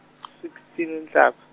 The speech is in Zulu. sixteen uNhlaba.